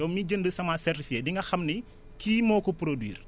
yow mi jënd semence certifiée di nga xam ni kii moo ko produire